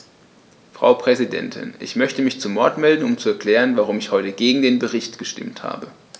Frau Präsidentin, ich möchte mich zu Wort melden, um zu erklären, warum ich heute gegen den Bericht gestimmt habe.